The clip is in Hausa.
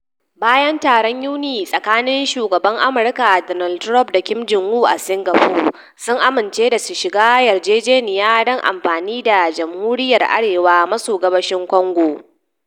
Bayan taron Yuni tsakanin shugaban Amurka Donald Trump da Kim Jong-un a Singapore, sun amince da su shiga yarjejeniya don amfani da Jamhuriyyar Arewa maso gabashin Congo.